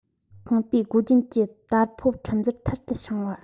ཁང པའི སྒོ རྒྱན གྱི དར ཕོད ཕྲུམ འཛར ཐུར དུ འཕྱང བ